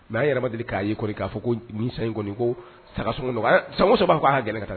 Mɛ' yɛrɛba deli k'a yei kɔni k'a fɔ ko sa ko saga sanmuso b'a fɔ a' kɛnɛ ka taa